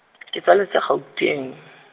ke tswaletswe Gauteng .